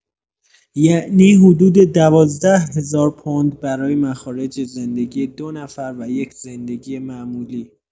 یعنی حدود ۱۲ هزار پوند برای مخارج زندگی ۲ نفر و یک زندگی معمولی.